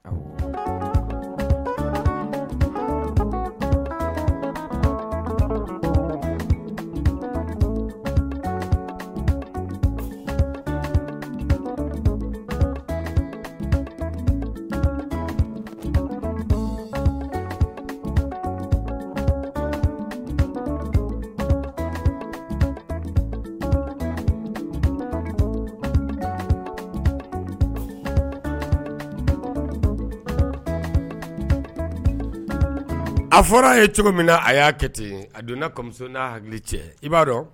A fɔra a ye cogo min na a y'a kɛ ten a donna kami n'a hakili cɛ i b'a dɔn